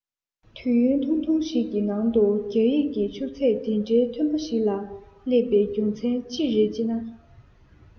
དུས ཡུན ཐུང ཐུང ཞིག གི ནང དུ རྒྱ ཡིག གི ཆུ ཚད དེ འདྲའི མཐོན པོ ཞིག ལ སླེབས པའི རྒྱུ མཚན ཅི རེད ཅེ ན